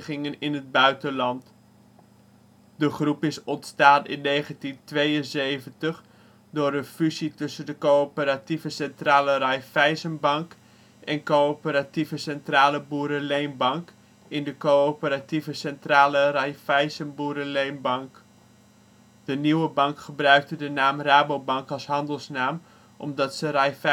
in het buitenland. Vestiging Rabobank De groep is ontstaan in 1972 door een fusie tussen de Coöperatieve Centrale Raiffeisen-Bank en Coöperatieve Centrale Boerenleenbank in de Coöperatieve Centrale Raiffeisen-Boerenleenbank. De nieuwe bank gebruikte de naam Rabobank als handelsnaam, omdat ze Raiffeisen-Boerenleenbank